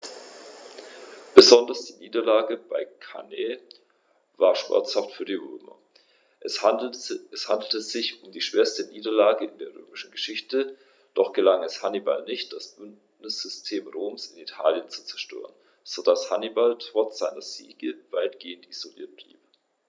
Besonders die Niederlage bei Cannae war schmerzhaft für die Römer: Es handelte sich um die schwerste Niederlage in der römischen Geschichte, doch gelang es Hannibal nicht, das Bündnissystem Roms in Italien zu zerstören, sodass Hannibal trotz seiner Siege weitgehend isoliert blieb.